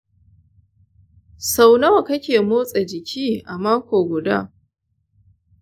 sau nawa kake motsa jiki a mako guda?